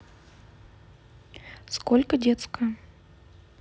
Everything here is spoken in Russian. сколько детская